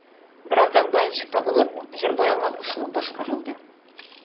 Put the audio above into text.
Бераздан баянчы табылып, җыр баянга кушылып башкарылды.